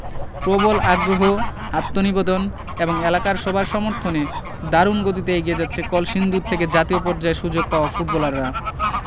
প্রবল আগ্রহ আত্মনিবেদন এবং এলাকার সবার সমর্থনে দারুণ গতিতে এগিয়ে যাচ্ছে কলসিন্দুর থেকে জাতীয় পর্যায়ে সুযোগ পাওয়া ফুটবলাররা